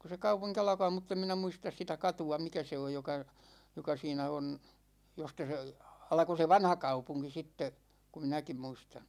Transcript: kun se kaupunki alkaa mutta en minä muista sitä katua mikä se on joka joka siinä on josta se alkoi se vanhakaupunki sitten kun minäkin muistan